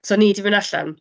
So o'n i 'di mynd allan